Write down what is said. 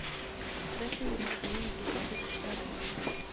Күрәсең бит синең бригада кешеләре